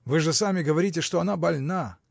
Вы же сами говорите, что она больна.